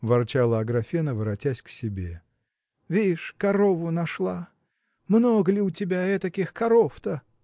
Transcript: – ворчала Аграфена, воротясь к себе. – Вишь, корову нашла! много ли у тебя этаких коров-то?